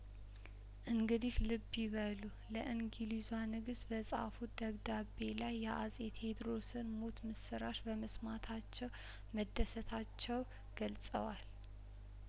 እንግዲህ ልብ ይበሉ ለእንግሊዟንግስት በጻፉት ደብዳቤ ላይ የአጼ ቴድሮስን ሞትምስራች በመስማታቸው መደሰታቸው ገልጸዋል